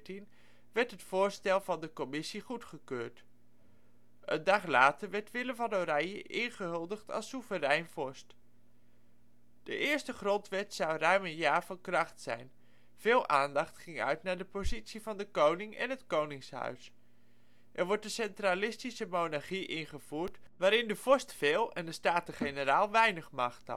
1814, werd het voorstel van de commissie goedgekeurd. Een dag later werd Willem van Oranje ingehuldigd als soeverein vorst. De eerste Grondwet zou ruim een jaar van kracht zou zijn. Veel aandacht ging uit naar de positie van de koning en het koningshuis. Er wordt een centralistische monarchie ingevoerd, waarin de vorst veel en de Staten-Generaal weinig macht